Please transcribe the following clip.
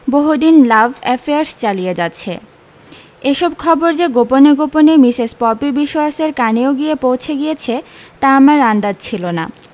বহুদিন love affairs চালিয়ে যাচ্ছে এসব খবর যে গোপনে গোপনে মিসেস পপি বিশোয়াসের কানেও গিয়ে পৌঁছে গিয়েছে তা আমার আন্দাজ ছিল না